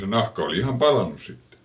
se nahka oli ihan palanut sitten